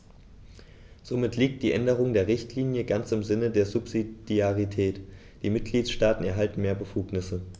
Somit liegt die Änderung der Richtlinie ganz im Sinne der Subsidiarität; die Mitgliedstaaten erhalten mehr Befugnisse.